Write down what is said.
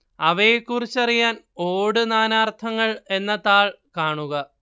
അവയെക്കുറിച്ചറിയാൻ ഓട് നാനാർത്ഥങ്ങൾ എന്ന താൾ കാണുക